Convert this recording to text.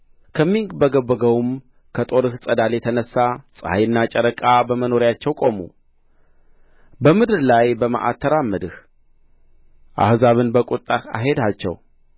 ከሚንቦገቦገውም ከጦርህ ፀዳል የተነሣ ፀሐይና ጨረቃ በመኖሪያቸው ቆሙ በምድር ላይ በመዓት ተራመድህ አሕዛብን በቍጣ አሄድሃቸው